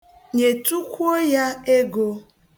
Nyetukwuo ya ego.